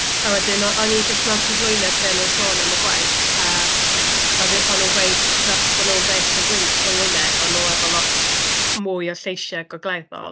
A wedyn o- o'n i jyst mewn cyflwyniad lle o'n nhw'n sôn am y gwaith, a oedd i- o'n nhw'n gweud, tibod, achos bod nhw'n based yn gwyn- yng Ngwynedd, o'n nhw efo lot, mwy o lleisiau gogleddol.